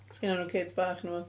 Oes gennyn nhw kid bach neu wbath?